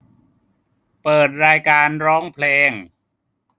เปิดรายการร้องเพลง